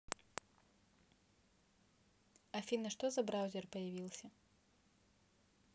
афина что за браузер появился